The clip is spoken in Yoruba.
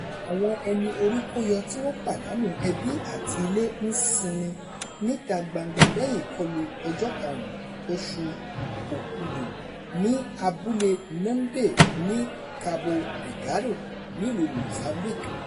Àwọn ẹni-orí-kó-yọ tí wọ́n pàdánù ẹbí àti ilé ń sinmi níta gbangba lẹ́yìn ìkọlù ọjọ́ 5 oṣù Òkúdù ní abúlé Naunde ní Cabo Delgado nílùú Mozambique.